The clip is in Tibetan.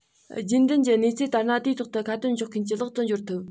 རྒྱུན ལྡན གྱི གནས ཚུལ ལྟར ན དུས ཐོག ཏུ ཁ དན འཇོག མཁན གྱི ལག ཏུ འབྱོར ཐུབ